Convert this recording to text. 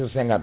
sur 50